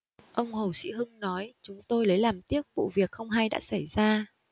ông hồ sỹ hưng nói chúng tôi lấy làm tiếc vụ việc không hay đã xảy ra